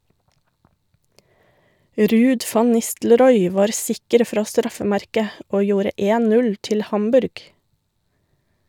Ruud van Nistelrooy var sikker fra straffemerket og gjorde 1-0 til Hamburg.